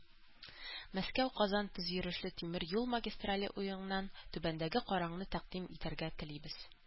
“мәскәү-казан тизйөрешле тимер юл магистрале уңаеннан түбәндәге карарны тәкъдим итәргә телибез.